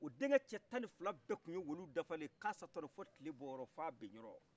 o den kɛ cɛ tanni fila bɛ tun ye waliyou fo kilebɔ yɔrɔ f'abin yɔrɔ